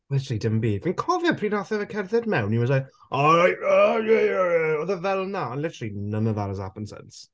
Literally dim byd. Fi'n cofio pryd wnaeth e cerdded mewn and he was like "alright ." Oedd o fel 'na ond literally none of that has happened since.